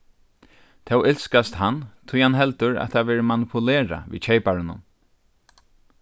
tó ilskast hann tí hann heldur at tað verður manipulerað við keyparunum